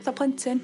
Fatha plentyn.